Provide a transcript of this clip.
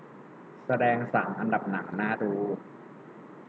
แสดงสามอันดับหนังน่าดู